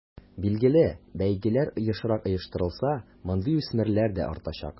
Билгеле, бәйгеләр ешрак оештырылса, мондый үсмерләр дә артачак.